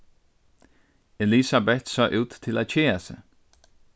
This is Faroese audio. elisabet sá út til at keða seg